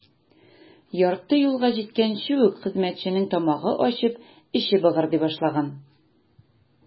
Ярты юлга җиткәнче үк хезмәтченең тамагы ачып, эче быгырдый башлаган.